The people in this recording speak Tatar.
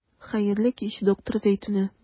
Хәерле кич, доктор Зәйтүнә.